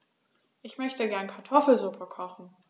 Ich möchte gerne Kartoffelsuppe kochen.